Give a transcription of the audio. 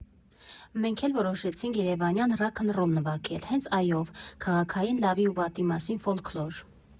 Մենք էլ որոշեցինք Երևանյան ռաքնռոլ նվագել՝ հենց «Ա»֊ով՝ քաղաքային լավի ու վատի մասին ֆոլքլոր։